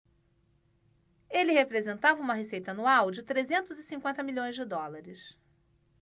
ele representava uma receita anual de trezentos e cinquenta milhões de dólares